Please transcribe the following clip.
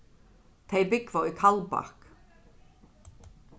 tey búgva í kaldbak